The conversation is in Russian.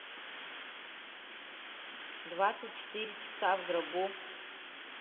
двадцать четыре часа в гробу